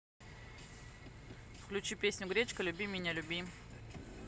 включи песню гречка люби меня люби